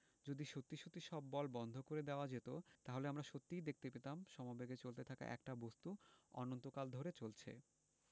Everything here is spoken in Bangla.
যদি সত্যি সত্যি সব বল বন্ধ করে দেওয়া যেত তাহলে আমরা সত্যিই দেখতে পেতাম সমবেগে চলতে থাকা একটা বস্তু অনন্তকাল ধরে চলছে